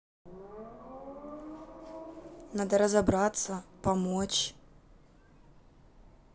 надо разобраться помочь